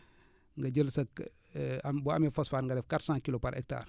nga jël sa am boo amee phosphate nga def quatre cent kilos par hectare